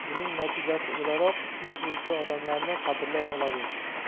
buning natijasi o'laroq u o'zga odamlarni qadrlay